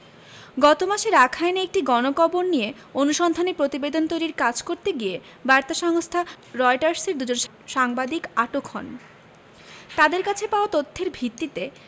গত মাসে রাখাইনে একটি গণকবর নিয়ে অনুসন্ধানী প্রতিবেদন তৈরির কাজ করতে গিয়ে বার্তা সংস্থা রয়টার্সের দুজন সাংবাদিক আটক হন তাঁদের কাছে পাওয়া তথ্যের ভিত্তিতে